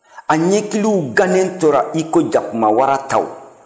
a ɲɛkili gannen tora iko jakumawara taw